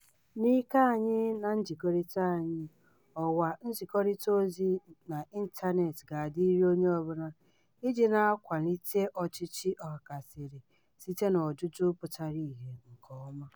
N'ike anyị na njikọta anyị, ọwa nzikọrịta ozi n'ịntaneetị ga-adịịrị onye ọbụla iji na-akwalite ọchịchị ọhakarasị site n'ọjụjụ pụtara ihe nke ọma.